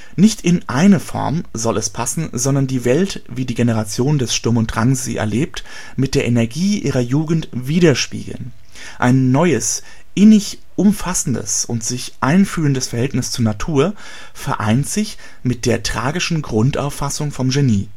Nicht in eine Form soll es passen, sondern die Welt, wie die Generation des Sturm & Drangs sie erlebt mit der Energie ihrer Jugend widerspiegeln. Ein neues, innig umfassendes und sich einfühlendes Verhältnis zur Natur vereint sich mit der tragischen Grundauffassung vom Genie